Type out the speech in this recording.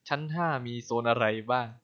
ชั้นห้ามีโซนอะไรบ้าง